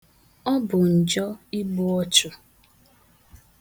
Ọ bụ njọ igbu ọchụ.